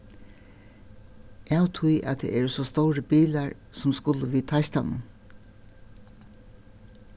av tí at tað eru so stórir bilar sum skulu við teistanum